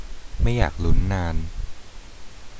ไม่อยากลุ้นนาน